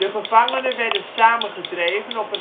gevangenen werden samengedreven op